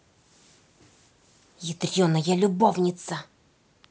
ядреная любовница